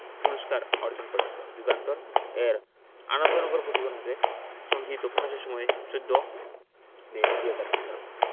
পুরস্কার অর্জন করেছিল যুগান্তর এর আনন্দনগর পতিবেদন হতে সংগিহীত পকাশের সময় ১৪ মে ২০১৮